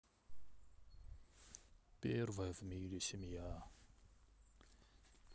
первая в мире семья